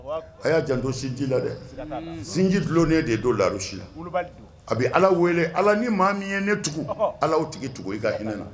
A y'a jan don sinji la dɛ sinji dulonnen de don lasi a bɛ ala wele ala ni maa min ye ne tugu ala tigi tugu i ka hinɛ na